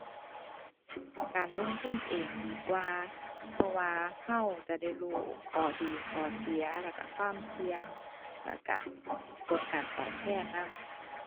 การลงทุนเองดีกว่า เพราะว่าเราจะได้รู้ข้อดีข้อเสีย แล้วเราความเสี่ยง แล้วเราผลการตอบแทนนำ